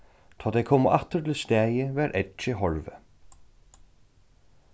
tá tey komu aftur til staðið var eggið horvið